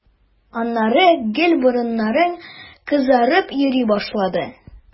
Аннары гел борыннарың кызарып йөри башлады.